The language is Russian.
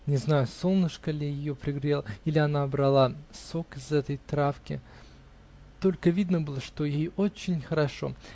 Не знаю, солнышко ли ее пригрело, или она брала сок из этой травки, -- только видно было, что ей очень хорошо.